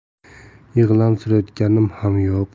yig'lamsirayotganim ham yo'q